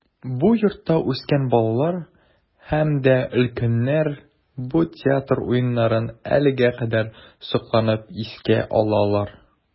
Бу йортта үскән балалар һәм дә өлкәннәр бу театр уеннарын әлегә кадәр сокланып искә алалар.